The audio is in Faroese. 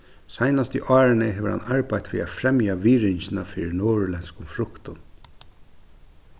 seinastu árini hevur hann arbeitt við at fremja virðingina fyri norðurlendskum fruktum